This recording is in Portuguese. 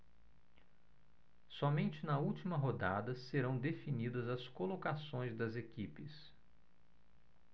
somente na última rodada serão definidas as colocações das equipes